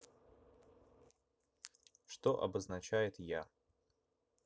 что обозначает я